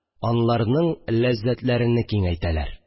Аларның ләззәтләрене киңәйтәләр